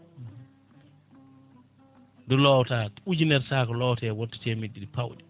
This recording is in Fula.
ɗo lowata ujunere sac lowote wonta temedde ɗiɗi pawɗe